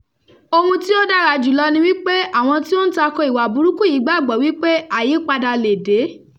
Ohun tí ó dára jù lọ ni wípé àwọn tí ó ń tako ìwà burúkú yìí gbàgbọ́ wípé àyípadà lè dé.